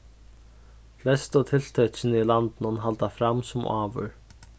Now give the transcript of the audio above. flestu tiltøkini í landinum halda fram sum áður